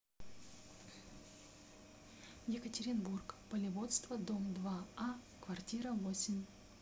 екатеринбург полеводство дом два а квартира восемь